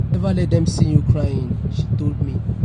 "Never let them see you crying," she told me.